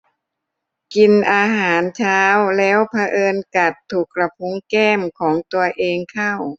กินอาหารเช้าแล้วเผอิญกัดถูกกระพุ้งแก้มของตัวเองเข้า